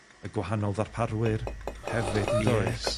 y gwahanol ddarparwyr hefyd, yndoes?